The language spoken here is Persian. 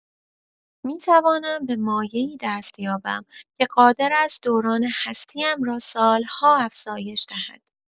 می‌توانم به مایعی دست یابم که قادر است دوران هستی‌ام را سال‌ها افزایش دهد.